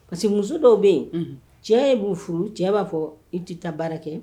Parce que muso dɔw bɛ yen cɛ in b'u furu cɛ b'a fɔ i tɛ taa baara kɛ